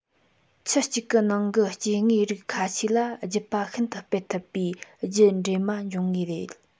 ཁྱུ གཅིག གི ནང གི སྐྱེ དངོས རིགས ཁ ཤས ལ རྒྱུད པ ཤིན ཏུ སྤེལ ཐུབ པའི རྒྱུད འདྲེས མ འབྱུང ངེས རེད